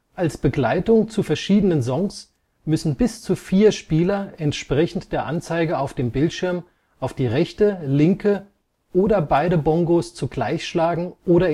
Als Begleitung zu verschiedenen Songs müssen bis zu vier Spieler entsprechend der Anzeige auf dem Bildschirm auf die rechte, linke oder beide Bongos zugleich schlagen oder